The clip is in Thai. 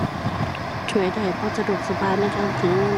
ช่วยได้ เพราะสะดวกสบายในการถือเงิน